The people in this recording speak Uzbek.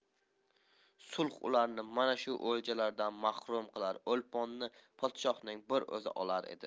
sulh ularni mana shu o'ljalardan mahrum qilar o'lponni podshohning bir o'zi olar edi